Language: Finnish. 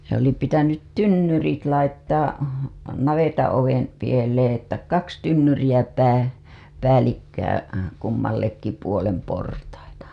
se oli pitänyt tynnyrit laittaa navetanoven pieleen että kaksi tynnyriä - päällekkäin kummallekin puolen portaita